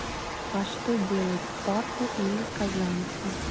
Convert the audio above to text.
а что делать парку или кожанку